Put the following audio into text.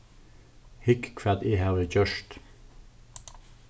hygg hvat eg havi gjørt